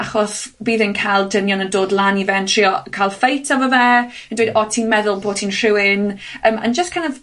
Achos bydd yn ca'l dynion yn dod lan i fe yn trio cael ffeit efo fe, yn dweud, o ti'n meddwl bo' ti'n rhywun, yym a'n jyst kine of